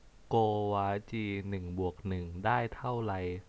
โกวาจีหนึ่งบวกหนึ่งได้เท่าไร